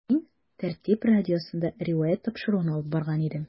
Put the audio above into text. “мин “тәртип” радиосында “риваять” тапшыруын алып барган идем.